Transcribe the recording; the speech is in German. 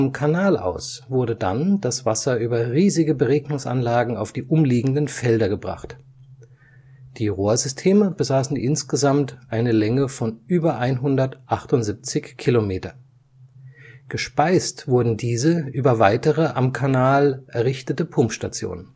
Kanal aus wurde dann das Wasser über riesige Beregnungsanlagen auf die umliegenden Felder gebracht. Die Rohrsysteme besaßen insgesamt eine Länge von über 178 Kilometer. Gespeist wurden diese über weitere am Kanal errichtete Pumpstationen